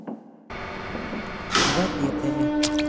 два пекаря